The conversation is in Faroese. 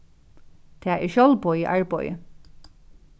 tað er sjálvboðið arbeiði